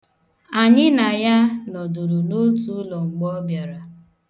Anyị na ya nọdụrụ n' otu ụlọ mgbe ọ bịara.